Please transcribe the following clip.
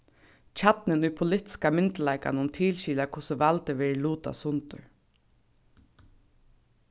kjarnin í politiska myndugleikanum tilskilar hvussu valdið verður lutað sundur